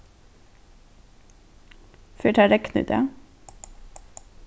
fer tað at regna í dag